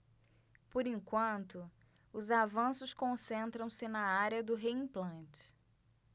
por enquanto os avanços concentram-se na área do reimplante